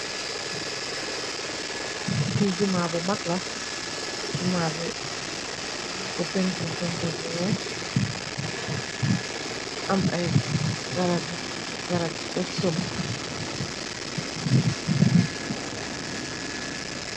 Fi juma bu mak la, juma bi ñiñ ko pentur, pentur bu wèèx am ay garap yu ko sëm.